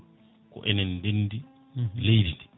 ko enen ndendi leydi ndi